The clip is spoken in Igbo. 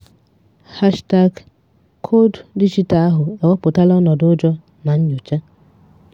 #Bénin Koodu dijitalụ ahụ ewepụtala ọnọdụ ụjọ na nnyocha.